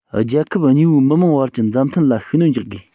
རྒྱལ ཁབ གཉིས པོའི མི དམངས བར གྱི མཛའ མཐུན ལ ཤུགས སྣོན རྒྱག དགོས